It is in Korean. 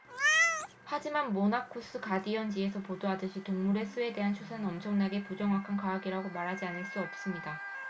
하지만 모나쿠스 가디언 지에서 보도하듯이 동물의 수에 대한 추산은 엄청나게 부정확한 과학이라고 말하지 않을 수 없습니다